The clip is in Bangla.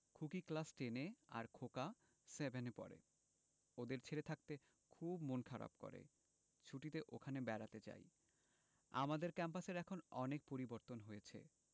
খুকি ক্লাস টেন এ আর খোকা সেভেন এ পড়ে ওদের ছেড়ে থাকতে খুব মন খারাপ করে ছুটিতে ওখানে বেড়াতে যাই আমাদের ক্যাম্পাসের এখন অনেক পরিবর্তন হয়েছে